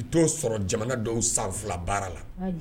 I t'o sɔrɔ jamana dɔw san fila baara la